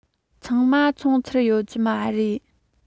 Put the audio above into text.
ཚང མ བཙོང ཚར ཡོད རྒྱུ མ རེད